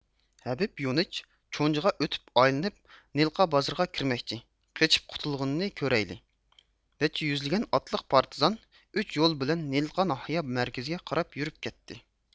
ھەبىپ يۇنىچ چونجىغا ئۆتۈپ ئايلىنىپ نىلقا بازىرىغا كىرمەكچى قېچىپ قۇتۇلغىنىنى كۆرەيلى نەچچە يۈزلىگەن ئاتلىق پارتىزان ئۈچ يول بىلەن نىلقا ناھىيە مەركىزىگە قاراپ يۈرۈپ كەتتى